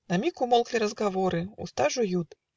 На миг умолкли разговоры; Уста жуют.